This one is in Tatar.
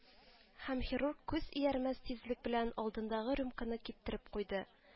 Һәм хирург күз иярмәс тизлек белән алдындагы рюмканы киптереп куйды